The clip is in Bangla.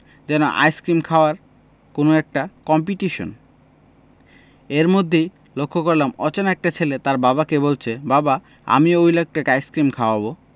যেন আইসক্রিম খাওয়ার কোন একটা কম্পিটিশন এর মধ্যেই লক্ষ্য করলাম অচেনা একটা ছেলে তার বাবাকে বলছে বাবা আমিও ঐ লোকটাকে আইসক্রিম খাওযাব